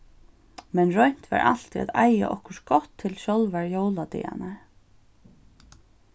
men roynt varð altíð at eiga okkurt gott til sjálvar jóladagarnar